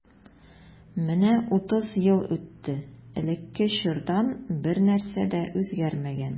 Менә утыз ел үтте, элекке чордан бернәрсә дә үзгәрмәгән.